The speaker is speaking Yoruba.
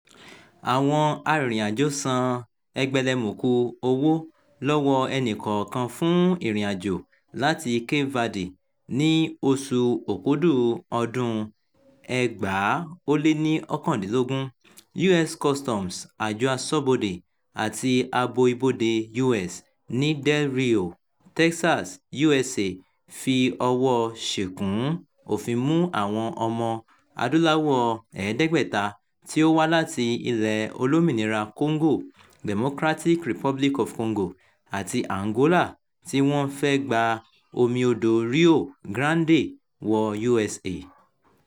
Àwọn arìnrìnàjòó san "ẹgbẹlẹmùkù owó lọ́wọ́ ẹnìkọ̀ọ̀kan" fún ìrìnàjò láti Cape Verde. Ní oṣù Òkúdù ọdún-un 2019, US Customs Àjọ Aṣọ́bodè àti Ààbò Ibodè US ní Del Rio, Texas, USA, fi ọwọ́ọ ṣìkún òfin mú àwọn ọmọ-adúláwọ̀ 500 tí ó wà láti Ilẹ̀-olómìnira Congo, Democratic Republic of Congo, àti Angola, tí wọn ń fẹ́ gba omi Odò Rio Grande wọ USA.